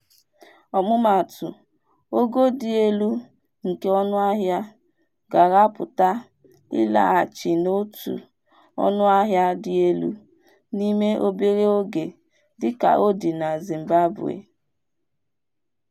Ọmụmaatụ, ogo dị elu nke ọnụahịa, gaara apụta ịlaghachi n'òtù ọnụahịa dị elu n'ime obere oge, dịka ọ dị na Zimbabwe.